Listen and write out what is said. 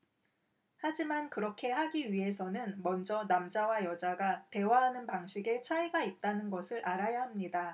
하지만 그렇게 하기 위해서는 먼저 남자와 여자가 대화하는 방식에 차이가 있다는 것을 알아야 합니다